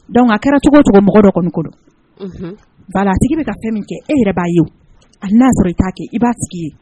Donc a kɛra cogo cogo mɔgɔ dɔ kɔni kɔnɔ. Unhun voilà tigi bɛ ka fɛn min kɛ e yɛrɛ ba ye wo. hali na sɔrɔ i ta kɛ i ba tigi ye